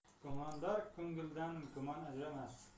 gumondor ko'ngildan gumon arimas